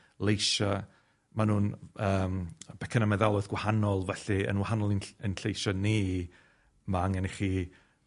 leisia', ma' nw'n yym becynna meddalwedd gwahanol, felly yn wahanol i'n ll- 'yn lleisiau ni, ma' angen i chi,